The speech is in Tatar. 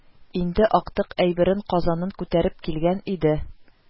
Инде актык әйберен – казанын күтәреп килгән иде